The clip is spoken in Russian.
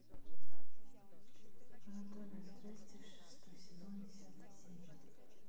анатомия страсти шестой сезон десятая серия